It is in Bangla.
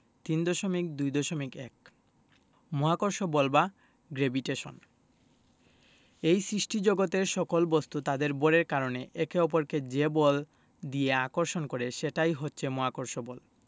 ৩.২.১ মহাকর্ষ বল বা গ্রেভিটেশন এই সৃষ্টিজগতের সকল বস্তু তাদের ভরের কারণে একে অপরকে যে বল দিয়ে আকর্ষণ করে সেটাই হচ্ছে মহাকর্ষ বল